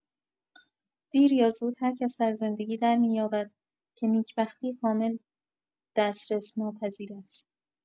دیر یا زود، هرکس در زندگی درمی‌یابد که نیکبختی کامل دسترس‌ناپذیر است.